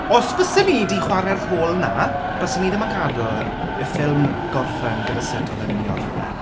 Os bysen i 'di chwarae'r rhôl 'na, baswn i ddim yn gadael y ffilm gorffen gyda sut oedd e'n mynd i orffen.